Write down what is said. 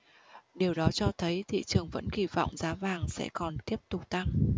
điều đó cho thấy thị trường vẫn kỳ vọng giá vàng sẽ còn tiếp tục tăng